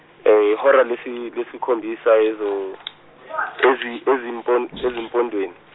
yihora lesi- lesikhombisa ezo- ezi- ezimpon- ezimpondweni.